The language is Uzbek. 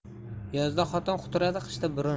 yozda xotin quturadi qishda burun